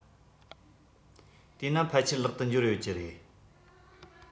དེས ན ཕལ ཆེར ལག ཏུ འབྱོར ཡོད ཀྱི རེད